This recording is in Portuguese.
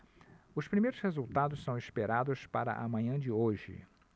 os primeiros resultados são esperados para a manhã de hoje